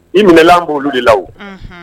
I minɛlan b' olu de la o. Unhun.